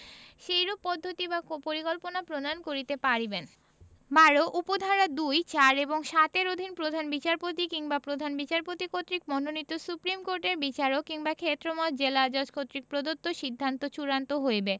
সেইরূপ পদ্ধতি কিংবা পরিকল্পনা প্রণয়ন করিতে পারিবেন ১২ উপ ধারা ২ ৪ এবং ৭ এর অধীন প্রধান বিচারপতি কিংবা প্রধান বিচারপতি কর্তৃক মনোনীত সুপ্রীম কোর্টের বিচারক কিংবা ক্ষেত্রমত জেলাজজ কর্তৃক প্রদত্ত সিদ্ধান্ত চূড়ান্ত হইবে